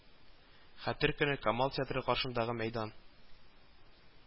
Хәтер көне, Камал театры каршындагы мәйдан